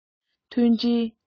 མཐུན སྒྲིལ